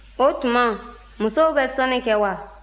o tuma musow bɛ sɔnni kɛ wa